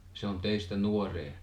se on teistä nuorempi